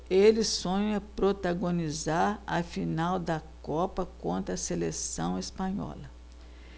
ele sonha protagonizar a final da copa contra a seleção espanhola